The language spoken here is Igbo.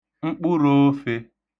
mkpụrōofē